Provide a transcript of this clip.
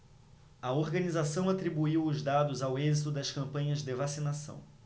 a organização atribuiu os dados ao êxito das campanhas de vacinação